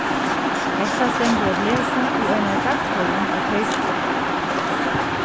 hetta stendur at lesa í einari dagføring á facebook